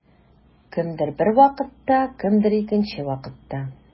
Кемдер бер вакытта, кемдер икенче вакытта.